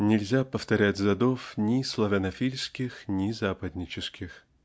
нельзя повторять задов ни славянофильских ни западнических.